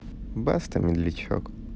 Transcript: баста медлячок